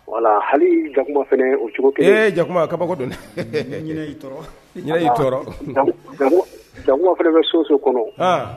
Wala hali jakuma fana o cogo jakuma kaba donkuma fana bɛ sososo kɔnɔ